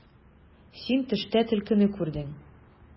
Син төштә төлкене күрдең.